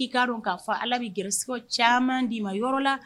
K'i'a dɔn k'a fɔ ala bɛ gariso caman d di'i ma yɔrɔ la